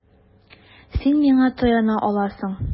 Син миңа таяна аласың.